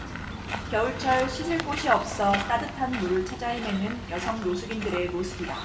겨울철 씻을 곳이 없어 따뜻한 물을 찾아 헤매는 여성 노숙인들의 모습이다